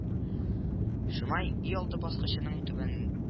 Шомай өйалды баскычының түбән